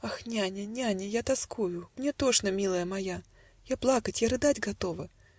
- "Ах, няня, няня, я тоскую, Мне тошно, милая моя: Я плакать, я рыдать готова!.